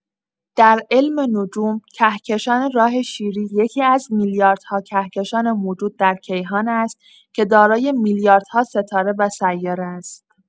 در علم نجوم، کهکشان راه‌شیری یکی‌از میلیاردها کهکشان موجود در کیهان است که دارای میلیاردها ستاره و سیاره است.